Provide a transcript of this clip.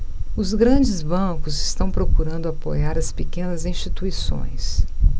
os grandes bancos estão procurando apoiar as pequenas instituições